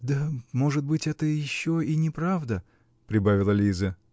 -- Да, может быть, это еще и неправда, -- прибавила Лиза.